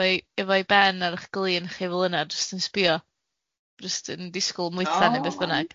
efo'i efo'i ben ar 'ych glin chi fel yna jyst yn sbïo, jyst yn disgwyl mwytha neu beth bynnag.